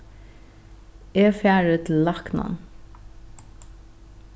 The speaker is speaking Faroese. eg fari til læknan